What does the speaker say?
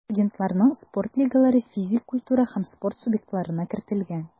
Студентларның спорт лигалары физик культура һәм спорт субъектларына кертелгән.